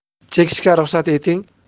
chekishga ruxsat eting